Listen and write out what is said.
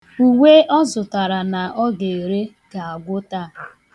Uwe ọ zụtara na ọ ga-ere ga-agwụ taa.